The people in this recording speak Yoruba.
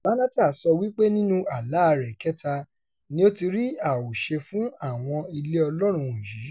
Banatah sọ wípé nínú àláa rẹ̀ kẹ́ta ni ó ti rí àwòṣe fún àwọn ilé Ọlọ́run wọ̀nyí.